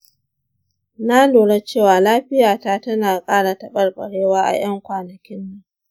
na lura cewa lafiyata tana ƙara taɓarbarewa a 'yan kwanakin nan.